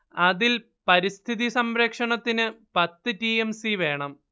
അതിൽ പരിസ്ഥിതിസംരക്ഷണത്തിന് പത്ത് ടി എം സി വേണം